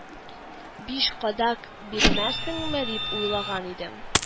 – биш кадак бирмәссеңме дип уйлаган идем